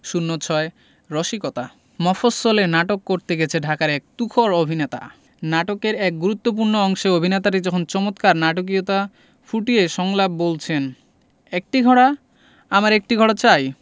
০৬ রসিকতা মফশ্বলে নাটক করতে গেছে ঢাকার এক তুখোর অভিনেতা নাটকের এক গুরুত্তপূ্র্ণ অংশে অভিনেতাটি যখন চমৎকার নাটকীয়তা ফুটিয়ে সংলাপ বলছেন একটি ঘোড়া আমার একটি ঘোড়া চাই